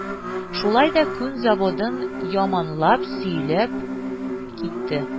Шулай да күн заводын яманлап сөйләп китте: